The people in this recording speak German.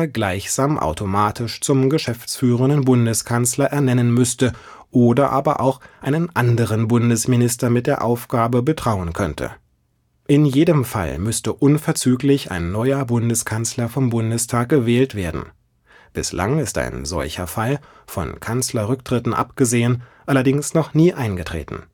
gleichsam automatisch zum geschäftsführenden Bundeskanzler ernennen müsste oder aber auch einen anderen Bundesminister mit der Aufgabe betrauen könnte. In jedem Fall müsste unverzüglich ein neuer Bundeskanzler vom Bundestag gewählt werden. Bislang ist ein solcher Fall – von Kanzlerrücktritten abgesehen – allerdings noch nie eingetreten